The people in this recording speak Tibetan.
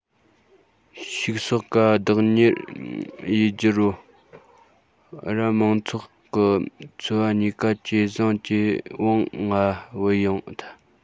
ཕྱུགས ཟོག ག བདག གཉེར ཡེད རྒྱུའོ ར མང ཚོགས གི འཚོ བ གཉིས ཀ ད ཇེ བཟང ཇེ བང ང བུད ཡོང ཐལ